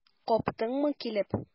Каптыңмы килеп?